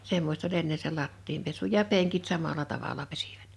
semmoista oli ennen se lattian pesu ja penkit samalla tavalla pesivät